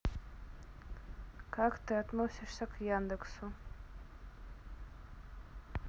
как ты относишься к яндексу